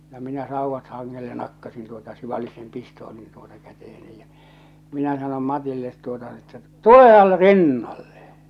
ja minä sauvat hangelle nakkasin tuota ja sivalsin sen pistoolin tuota käteeni ja minä sanoin Matille tuota no että tulehan rinnalle